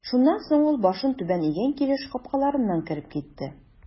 Шуннан соң ул башын түбән игән килеш капкаларыннан кереп китте.